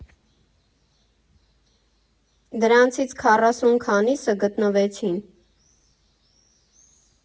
Դրանցից քառասուն քանիսը գտնվեցին։